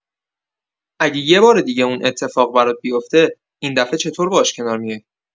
اگه یه بار دیگه اون اتفاق برات بیفته، این دفعه چطور باهاش کنار میای؟